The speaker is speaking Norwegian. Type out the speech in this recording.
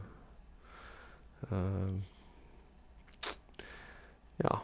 Ja.